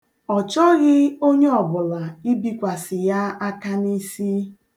Ọ chọghị onye ọbụla ibikwasị ya aka n'isi.